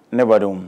Ne badenw